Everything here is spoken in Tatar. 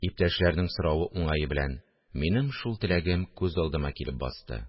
Иптәшләрнең соравы уңае белән, минем шул теләгем күз алдыма килеп басты